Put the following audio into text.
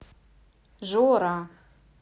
жора